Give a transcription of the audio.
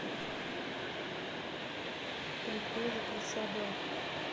приколы про собак